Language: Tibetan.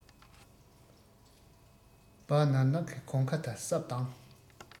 སྦིར ནག གི གོང ཁ དང སྲབ གདང